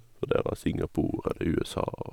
Vurderer Singapore eller USA.